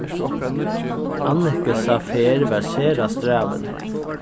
annikusa ferð var sera strævin